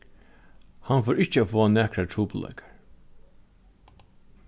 hann fór ikki at fáa nakrar trupulleikar